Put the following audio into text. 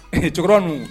Ɛhɛ, cɛkɔrɔba ninnu.